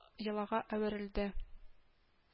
Йолага әверелде